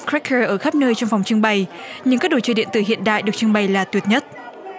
kếch cơ ở khắp nơi trong phòng trưng bày những đồ chơi điện tử hiện đại được trưng bày là tuyệt nhất